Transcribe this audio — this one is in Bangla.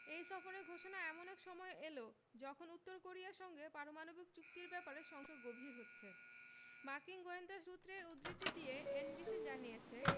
এই সফরের ঘোষণা এমন এক সময়ে এল যখন উত্তর কোরিয়ার সঙ্গে পারমাণবিক চুক্তির ব্যাপারে সংশয় গভীর হচ্ছে মার্কিন গোয়েন্দা সূত্রের উদ্ধৃতি দিয়ে এনবিসি জানিয়েছে